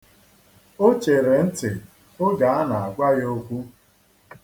O chere ntị oge a na-agwa ya okwu.